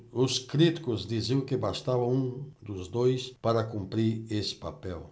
os críticos diziam que bastava um dos dois para cumprir esse papel